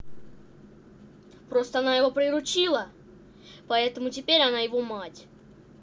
просто она его приручила поэтому теперь на его мать